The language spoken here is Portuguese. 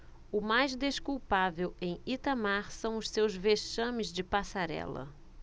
o mais desculpável em itamar são os seus vexames de passarela